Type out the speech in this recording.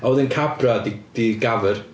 A wedyn Cabra 'di 'di gafr.